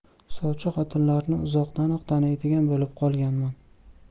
sovchi xotinlarni uzoqdanoq taniydigan bo'lib qolganman